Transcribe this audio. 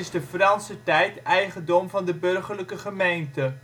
de Franse tijd, eigendom van de burgerlijke gemeente